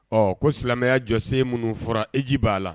Ɔ ko silamɛya jɔ se minnu fɔra hiji ba la.